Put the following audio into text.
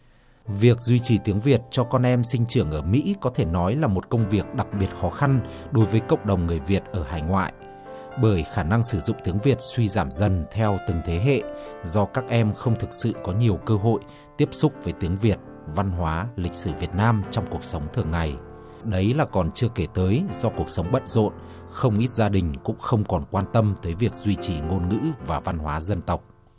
việc duy trì tiếng việt cho con em sinh trưởng ở mỹ có thể nói là một công việc đặc biệt khó khăn đối với cộng đồng người việt ở hải ngoại bởi khả năng sử dụng tiếng việt suy giảm dần theo từng thế hệ do các em không thực sự có nhiều cơ hội tiếp xúc với tiếng việt văn hóa lịch sử việt nam trong cuộc sống thường ngày đấy là còn chưa kể tới do cuộc sống bận rộn không ít gia đình cũng không còn quan tâm tới việc duy trì ngôn ngữ và văn hóa dân tộc